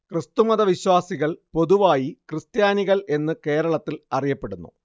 ക്രിസ്തുമത വിശ്വാസികൾ പൊതുവായി ക്രിസ്ത്യാനികൾ എന്ന് കേരളത്തിൽ അറിയപ്പെടുന്നു